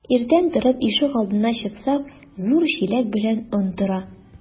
Иртән торып ишек алдына чыксак, зур чиләк белән он тора.